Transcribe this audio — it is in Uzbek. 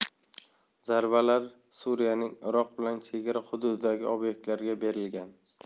zarbalar suriyaning iroq bilan chegara hududidagi obektlarga berilgan